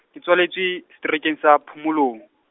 ke tswaletswe, seterekeng sa, Phomolong.